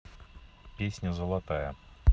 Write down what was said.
песня золотая